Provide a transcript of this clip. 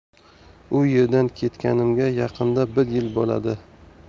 u yerdan ketganimga yaqinda bir yil bo'ladi